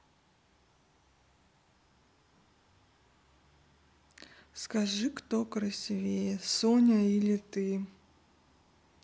скажи кто красивее соня или ты